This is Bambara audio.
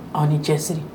Aw ni cɛsiri